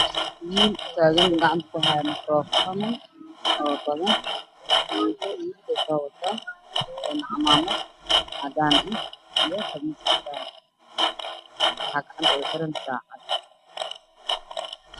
Waxaa ii muuqda wiil taagan oo makarafoon gacanta khamiis caddaan qabo cimaamada cadaan oo dad u qudbeynaayo